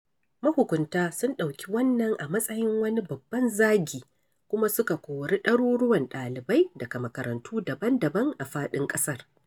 Mahukunta sun ɗauki wannan a matsayin wani babban zagi kuma suka kori ɗaruruwan ɗalibai daga makarantu daban-daban a faɗin ƙasar.